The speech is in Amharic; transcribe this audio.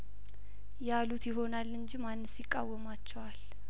ያሉት ይሆናል እንጂ ማንስ ይቃወማቸዋል